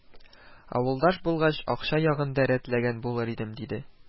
Авылдаш булгач, акча ягын да рәтләгән булыр идем, диде